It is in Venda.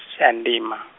Shayandima.